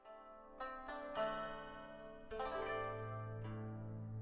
music